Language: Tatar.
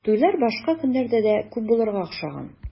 Туйлар башка көннәрдә дә күп булырга охшаган.